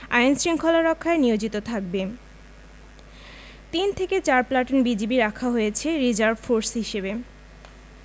আইন শৃঙ্খলা রক্ষায় নিয়োজিত থাকবে তিন থেকে চার প্লাটুন বিজিবি রাখা হয়েছে রিজার্ভ ফোর্স হিসেবে